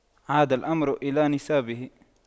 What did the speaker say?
عاد الأمر إلى نصابه